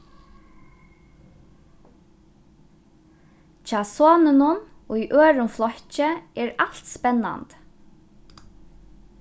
hjá soninum í øðrum flokki er alt spennandi